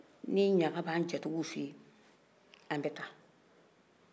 ni ɲaga b'an jatigiw fɛ yen an bɛ taa